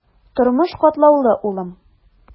Тормыш катлаулы, улым.